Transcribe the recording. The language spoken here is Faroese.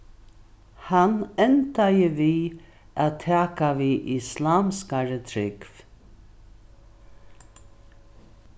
hann endaði við at taka við islamskari trúgv